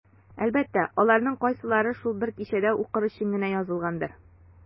Әлбәттә, аларның кайсылары шул бер кичәдә укыр өчен генә язылгандыр.